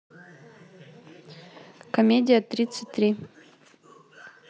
комедия тридцать три